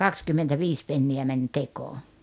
kaksikymmentäviisi penniä meni tekoon